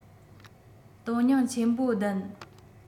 དོན སྙིང ཆེན པོ ལྡན